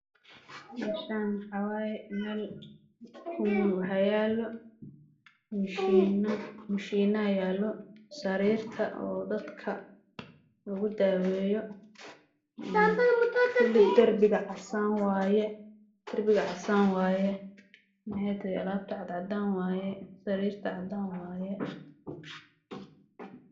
Meeshaan waxaa yaalo mashiino